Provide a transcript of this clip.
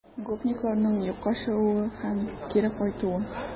Гопникларның юкка чыгуы һәм кире кайтуы